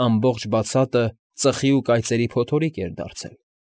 Ամբողջ բացատը ծխի ու կայծերի փոթորիկ էր դարձել։